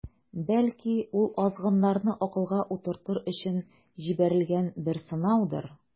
Бәлки, ул азгыннарны акылга утыртыр өчен җибәрелгән бер сынаудыр.